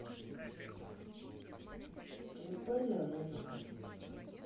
застольная музыка